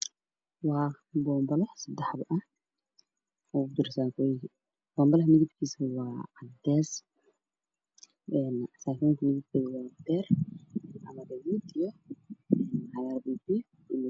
Waa boomble saddexba ah waxaa ku jiro saakooyin bombarka dharkiisa waa cadaan kalarkoodu waa beer